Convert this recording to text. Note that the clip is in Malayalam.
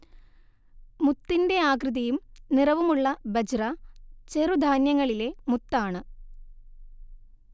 മുത്തിന്റെ ആകൃതിയും നിറവുമുള്ള ബജ്റ ചെറുധാന്യങ്ങളിലെ മുത്താണ്